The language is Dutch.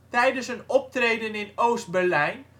Tijdens een optreden in Oost-Berlijn